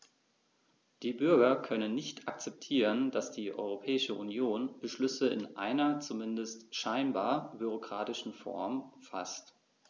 Die Bürger können nicht akzeptieren, dass die Europäische Union Beschlüsse in einer, zumindest scheinbar, bürokratischen Form faßt.